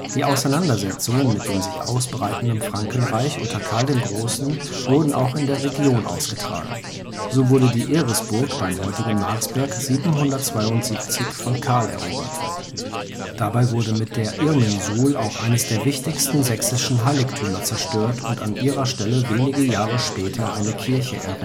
Die Auseinandersetzungen mit dem sich ausbreitenden Frankenreich unter Karl dem Großen wurden auch in der Region ausgetragen. So wurde die Eresburg beim heutigen Marsberg 772 von Karl erobert. Dabei wurde mit der Irminsul auch eines der wichtigsten sächsischen Heiligtümer zerstört und an ihrer Stelle wenige Jahre später eine Kirche